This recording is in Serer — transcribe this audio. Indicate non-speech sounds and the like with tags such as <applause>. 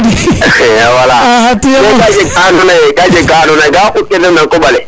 <laughs> wala mais ka jeg ka ando naye ga a quɗ ke ndefna koɓale